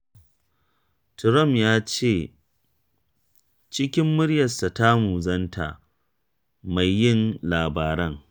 Trump ya ce a cikin muryarsa ta muzanta “mai yin labaran”.